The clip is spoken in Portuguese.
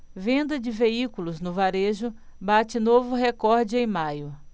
venda de veículos no varejo bate novo recorde em maio